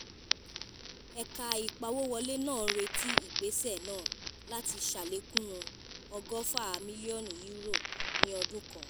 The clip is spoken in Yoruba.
Ẹ̀ka ìpawówọlé náà ń retí ìgbéṣẹ̀ náa láti ṣàlékún £120 million ní ọdún kan.